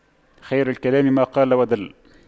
خير الكلام ما قل ودل